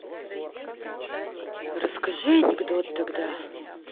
расскажи анекдот тогда